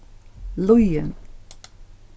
líðin